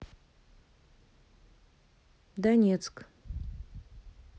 донецк